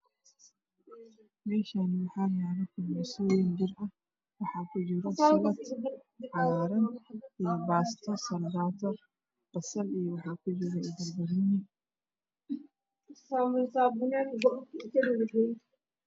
Meeshaani waxaa yaalo kululeesooyin bir ah waxaa ku jiro salary cagaar baasto basal waxaa ku jiro banbanooni